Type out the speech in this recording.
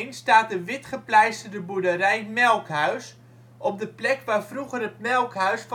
staat de witgepleisterde boerderij Melkhuis op de plek waar vroeger het melkhuis